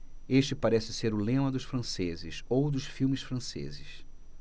este parece ser o lema dos franceses ou dos filmes franceses